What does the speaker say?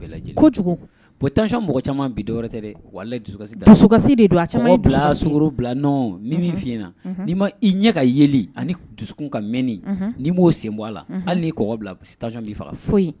Mɔgɔ don a bila sun bila nɔn min fɔ na n' ma i ɲɛ ka yeli ani dusu ka mɛn ni b'o sen bɔ a la hali bila'